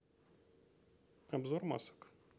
обзор масок